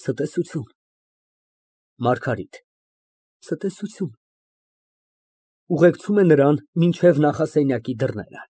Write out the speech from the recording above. Ցտեսություն։ ՄԱՐԳԱՐԻՏ ֊ Ցտեսություն։ (Ուղեկցում է նրան մինչև նախասենյակի դուռը)։